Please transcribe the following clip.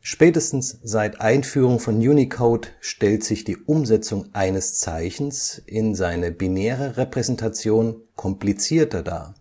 Spätestens seit Einführung von Unicode stellt sich die Umsetzung eines Zeichens in seine binäre Repräsentation komplizierter dar,